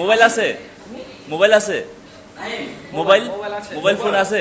mobile আছে হু mobile আছে মোবাইল মোবাইল মোবাইল ফোন আছে